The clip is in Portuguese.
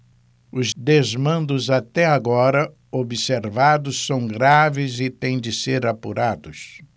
os desmandos até agora observados são graves e têm de ser apurados